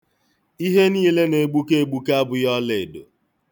Ihe niile na-egbuke egbuke abụghị ọlaedo.